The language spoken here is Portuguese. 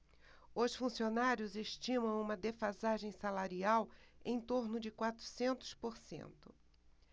os funcionários estimam uma defasagem salarial em torno de quatrocentos por cento